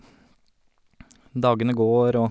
Dagene går, og...